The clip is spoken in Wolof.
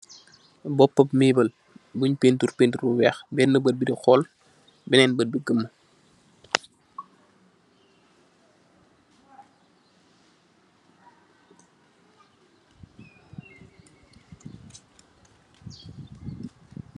Bopeub maibeul, bunge paintur paintur bu weekh, benh beut bi di khool, benen beut bi geumu.